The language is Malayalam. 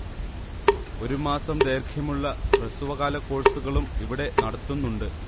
ഒരു മാസം ദൈർഘ്യമുള്ള ഹ്രസ്വകാല കോഴ്സുകളും ഇവിടെ നടത്തുന്നുണ്ട്